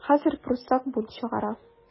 Хәзер пруссак бунт чыгара.